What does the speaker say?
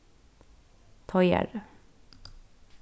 teigari